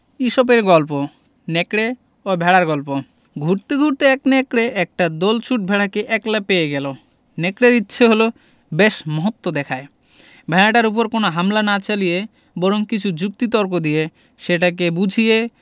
ইসপের গল্প নেকড়ে ও ভেড়ার গল্প ঘুরতে ঘুরতে এক নেকড়ে একটা দলছুট ভেড়াকে একলা পেয়ে গেল নেকড়ের ইচ্ছে হল বেশ মহত্ব দেখায় ভেড়াটার উপর কোন হামলা না চালিয়ে বরং কিছু যুক্তি তক্ক দিয়ে সেটাকে বুঝিয়ে